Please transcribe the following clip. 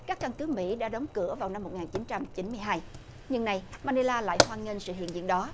các căn cứ mỹ đã đóng cửa vào năm một ngàn chín trăm chín mươi hai nhưng nay ma ni la lại hoan nghênh sự hiện diện đó